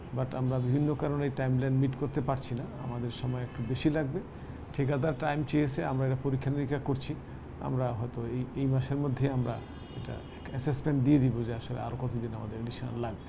but আমরা বিভিন্ন কারণে এই টাইম লেঙ্থ মিট করতে পারছি না আমাদের সময় একটু বেশি লাগবে ঠিকাদার টাইম চেয়েছে আমরা একটা পরীক্ষা-নিরীক্ষা করছি আমরা হয়তো এই মাসের মধ্যেই আমরা একটা অ্যাসেসমেন্ট দিয়ে দিব যে আসলে আর কতদিন আমাদের অ্যাডিশন লাগবে